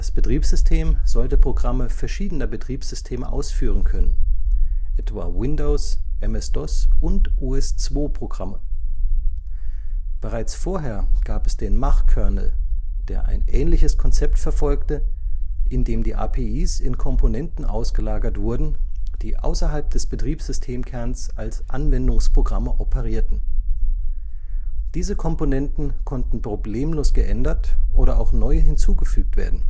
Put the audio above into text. Betriebssystem sollte Programme verschiedener Betriebssysteme ausführen können, etwa Windows -, MS-DOS - und OS/2-Programme. Bereits vorher gab es den Mach-Kernel, der ein ähnliches Konzept verfolgte, indem die APIs in Komponenten ausgelagert wurden, die außerhalb des Betriebssystemkerns als Anwendungsprogramme operierten. Diese Komponenten konnten problemlos geändert, oder auch neue hinzugefügt werden